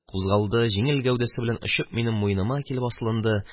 Кузгалды, җиңел гәүдәсе белән очып, минем муеныма килеп асылынды